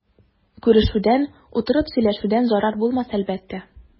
Күрешүдән, утырып сөйләшүдән зарар булмас әлбәттә.